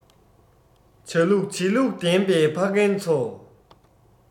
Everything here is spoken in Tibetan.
བྱ ལུགས བྱེད ལུགས ལྡན པའི ཕ རྒན ཚོ